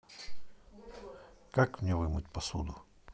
как мне вымыть посуду